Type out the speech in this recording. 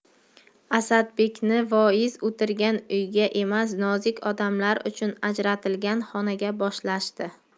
asadbekni voiz o'tirgan uyga emas nozik odamlar uchun ajratilgan xonaga boshlashdi